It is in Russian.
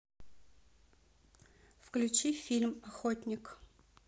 включи фильм охотник